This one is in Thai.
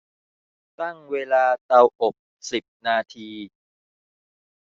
ตั้งเวลาเตาอบสิบนาที